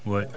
ouais